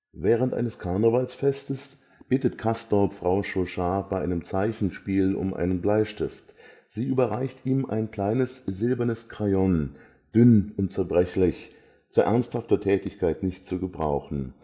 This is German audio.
Während eines Karnevalsfestes bittet Castorp Frau Chauchat bei einem Zeichenspiel um einen Bleistift. Sie überreicht ihm „ ein kleines silbernes Crayon (…), dünn und zerbrechlich (…), zu ernsthafter Tätigkeit nicht zu gebrauchen